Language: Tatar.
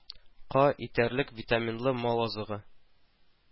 Ка итәрлек витаминлы мал азыгы